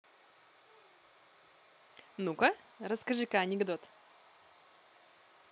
ну ка расскажи ка анекдот